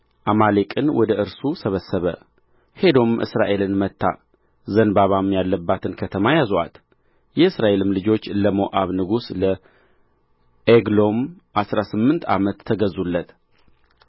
አማሌቅን ወደ እርሱ ሰበሰበ ሄዶም እስራኤልን መታ ዘንባባም ያለባትን ከተማ ያዙአት የእስራኤልም ልጆች ለሞዓብ ንጉሥ ለዔግሎም አሥራ ስምንት ዓመት ተገዙለት